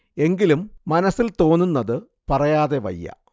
എങ്കിലും മനസ്സിൽ തോന്നുന്നത് പറയാതെ വയ്യ